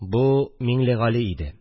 Бу – Миңлегали иде